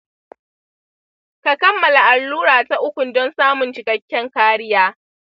ka kammala allura ta ukun don samun cikakken kariya.